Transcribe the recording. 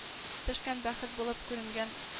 Төшкән бәхет булып күренгән